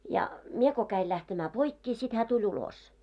ja minä kun kävin lähtemään poikkeen sitten hän tuli ulos